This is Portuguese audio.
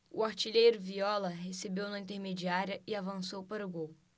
o artilheiro viola recebeu na intermediária e avançou para o gol